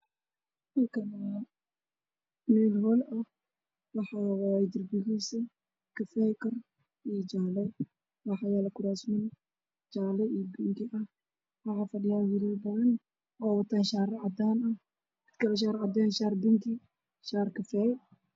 Halkaan waa meel hool ah kor waa kafay iyo jaale, waxaa yaalo kuraasman gaduud iyo jaale ah waxaa fadhiyaan niman badan oo wato shaarar cadaan, shaar bingi iyo shaar kafay.